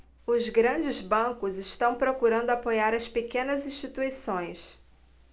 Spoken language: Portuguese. os grandes bancos estão procurando apoiar as pequenas instituições